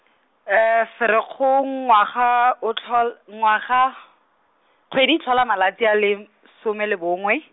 Ferikgong ngwaga o tlhol- ngwaga, kgwedi e tlhola malatsi a le, some le bongwe.